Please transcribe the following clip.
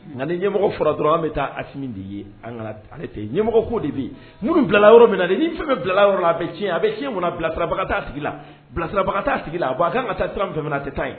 Nka ni ɲɛmɔgɔ fɔra dɔrɔn an bɛ taa a min d ye an ale tɛ ɲɛmɔgɔ ko de nu bila yɔrɔ min ni fɛn bɛ bilala yɔrɔ a bɛ a si kɔnɔ bilasirarabaga sigi bilasirabaga sigi la a a ka an ka taa sira a tɛ taa yen